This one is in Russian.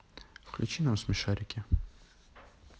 включи нам смешарики